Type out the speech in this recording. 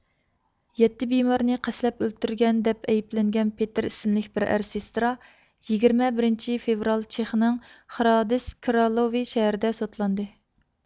يەتتە بىمارنى قەستلەپ ئۆلتۈرگەن دەپ ئەيىبلەنگەن پېتىر ئىسىملىك بىر ئەر سېسترا يىگىرمە بىرىنچى فېۋرال چېخنىڭ خرادېتس كرالوۋې شەھىرىدە سوتلاندى